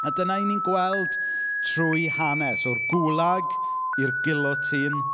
A dyna 'y ni'n gweld trwy hanes. O'r gwlag, i'r gilotîn.